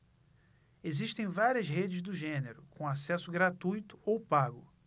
existem várias redes do gênero com acesso gratuito ou pago